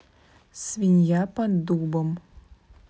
свинья под дубом